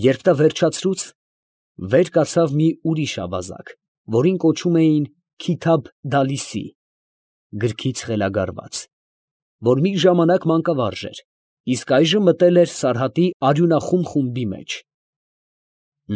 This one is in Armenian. Երբ նա վերջացրուց, վեր կացավ մի ուրիշ ավազակ, որին կոչում էին Քիթաբ֊Դալիսի (գրքից խելագարված), որ մի ժամանակ մանկավարժ էր, իսկ այժմ մտել էր Սարհատի արյունախում խումբի մեջ։